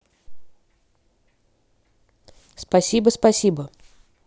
спасибо спасибо